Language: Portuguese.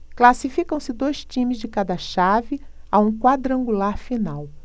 classificam-se dois times de cada chave a um quadrangular final